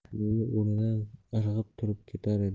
go'yo o'rnidan irg'ib turib ketar edi